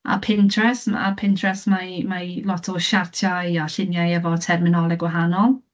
A Pinterest ma' Pinterest... mae mae lot o siartiau a lluniau efo terminoleg gwahanol.